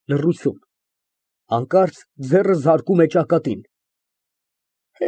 Լռություն, հանկարծ ձեռքը զարկում է ճակատին)։